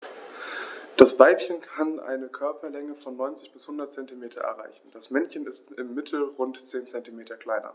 Das Weibchen kann eine Körperlänge von 90-100 cm erreichen; das Männchen ist im Mittel rund 10 cm kleiner.